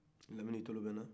lamini i tolo bɛ n'na